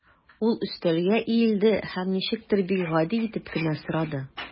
Ул өстәлгә иелде һәм ничектер бик гади итеп кенә сорады.